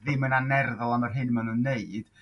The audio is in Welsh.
ddim yn an'erddol am yr hyn ma' n'w'n neud